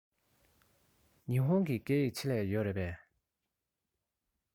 ཉི ཧོང གི སྐད ཡིག ཆེད ལས ཡོད རེད པས